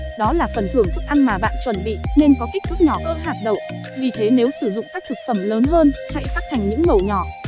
đó là phần thưởng thức ăn mà bạn chuẩn bị nên có kích thước nhỏ cỡ hạt đậu vì thế nếu sử dụng các thực phẩm lớn hơn hãy cắt thành những mẩu nhỏ